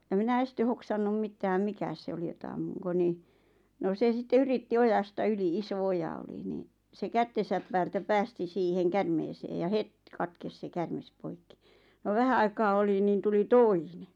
ja minä ensin hoksannut mitään mikä se oli jota ammunko niin no se sitten yritti ojasta yli iso oja oli niin se kättensä päältä päästi siihen käärmeeseen ja heti katkesi se käärme poikki no vähän aikaa oli niin tuli toinen